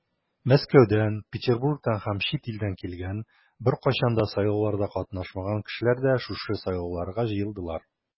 Мәскәүдән, Петербургтан һәм чит илдән килгән, беркайчан да сайлауларда катнашмаган кешеләр дә шушы сайлауларга җыелдылар.